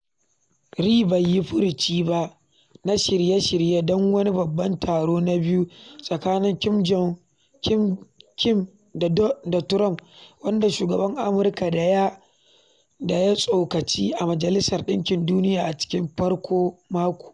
Ri bai yi furuci na shirye-shirye don wani babban taro na biyu tsakanin Kim da Trump wanda shugaban Amurka da ya tsokaci a Majalisar Ɗinkin Duniya a cikin farkon makon.